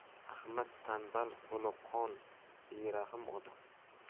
ahmad tanbal qo'li qon berahm odam